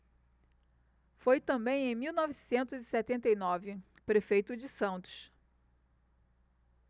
foi também em mil novecentos e setenta e nove prefeito de santos